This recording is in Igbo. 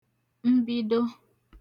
mbido